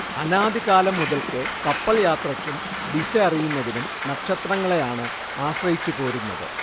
അനാദി കാലം മുതൽക്കേ കപ്പൽ യാത്രയ്ക്കും ദിശ അറിയുന്നതിനും നക്ഷത്രങ്ങളെയാണ് ആശ്രയിച്ചു പോരുന്നത്